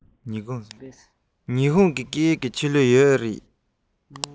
ཉི ཧོང གི སྐད ཡིག ཆེད ལས ཡོད རེད པས